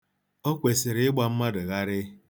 O kwesịrị ịgba mmadụ gharịị.